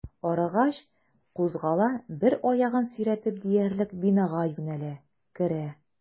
Арыгач, кузгала, бер аягын сөйрәп диярлек бинага юнәлә, керә.